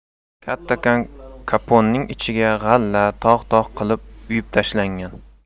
kattakon kopponning ichiga g'alla tog' tog' qilib uyib tashlangan